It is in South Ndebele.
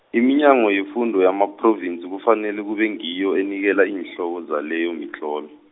iminyango yefundo yamaphrovinsi kufanele kube ngiyo enikela iinhloko zaleyo mitlolo.